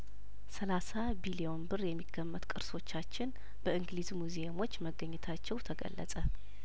ሰላሳ ቢሊዮን ብር የሚገመት ቅርሶቻችን በእንግሊዝ ሙዚየሞች መገኘታቸው ተገለጸ